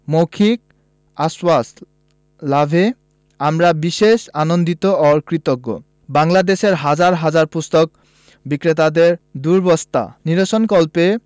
মৌখিক আশ্বাস লাভে আমরা বিশেষ আনন্দিত ও কৃতজ্ঞ বাংলাদেশের হাজার হাজার পুস্তক বিক্রেতাদের দুরবস্থা নিরসনকল্পে